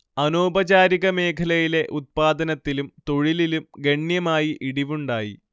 അനൗപചാരിക മേഖലയിലെ ഉത്പാദനത്തിലും തൊഴിലിലും ഗണ്യമായി ഇടിവുണ്ടായി